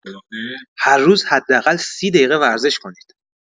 هر روز حداقل ۳۰ دقیقه ورزش کنید.